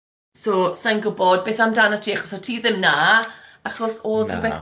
So sa i'n gwybod beth amdano ti, achos o't ti ddim 'na, achos o'dd 'na.